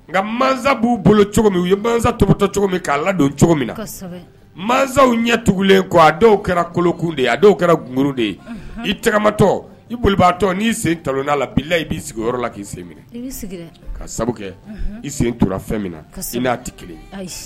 Nka masa b'u bolo cogo u ye mansasa tomɔtɔ cogo min k'a ladon cogo min na mansaw ɲɛ tugulen a dɔw kɛra kolokun de ye a dɔw kɛra g de ye i tɛgɛmatɔ i bolo'atɔ n'i sen talon' la bila i b'i sigiyɔrɔ la k'i sen ka sabu i sen torafɛn min na i n'a tɛ kelen